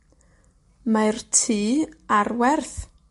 Mae'r tŷ ar werth.